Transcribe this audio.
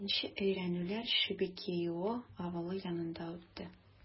Икенче өйрәнүләр Шебекиио авылы янында үтте.